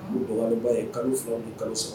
Ba ye kalo fana bɛ kalo sɔrɔ